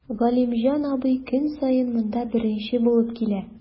Галимҗан абый көн саен монда беренче булып килә.